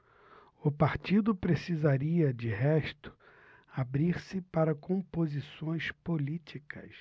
o partido precisaria de resto abrir-se para composições políticas